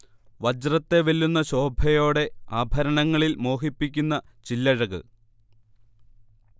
വജ്രത്തെ വെല്ലുന്ന ശോഭയോടെ ആഭരണങ്ങളിൽ മോഹിപ്പിക്കുന്ന ചില്ലഴക്